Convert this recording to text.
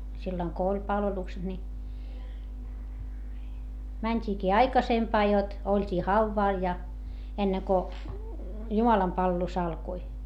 silloin kun oli palvelukset niin mentiinkin aikaisempaan jotta oltiin haudalla ja ennen kuin jumalanpalvelus alkoi